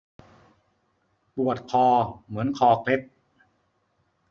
ปวดคอเหมือนคอเคล็ด